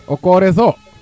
o koreso